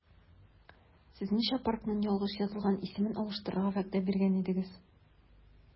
Сез кичә паркның ялгыш язылган исемен алыштырырга вәгъдә биргән идегез.